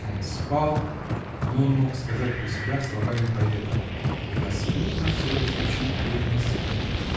Он спал; но он мог сказать про себя словами поэта: Я сплю. но сердце чуткое не спит.